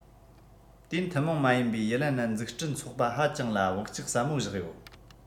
དེའི ཐུན མོང མ ཡིན པའི ཡི ལིན ནན འཛུགས སྐྲུན ཚོགས པ ཧ ཅང ལ བག ཆགས ཟབ མོ བཞག ཡོད